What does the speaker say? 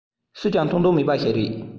སུས ཀྱང མཐོང འདོད མེད པ ཞིག རེད